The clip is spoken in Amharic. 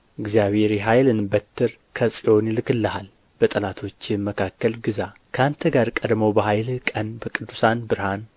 እግዚአብሔር የኃይልን በትር ከጽዮን ይልክልሃል በጠላቶችህም መካከል ግዛ ከአንተ ጋር ቀድሞ በኃይልህ ቀን በቅዱሳን ብርሃን